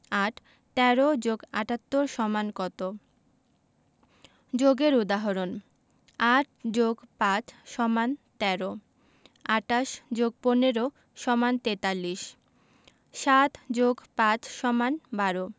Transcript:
৮ ১৩ + ৭৮ = কত যোগের উদাহরণঃ ৮ + ৫ = ১৩ ২৮ + ১৫ = ৪৩ ১২- ৫ = ৭ ৭+৫ = ১২